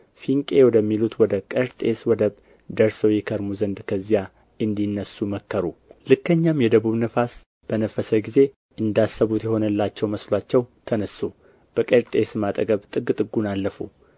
ፍንቄ ወደሚሉት ወደ ቀርጤስ ወደብ ደርሰው ይከርሙ ዘንድ ከዚያ እንዲነሡ መከሩ ልከኛም የደቡብ ነፋስ በነፈሰ ጊዜ እንዳሰቡት የሆነላቸው መስሎአቸው ተነሡ በቀርጤስም አጠገብ ጥግ ጥጉን አለፉ